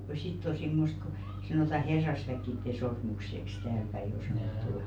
ja sitten on semmoista kun sanotaan herrasväkien sormukseksi täälläpäin on sanottu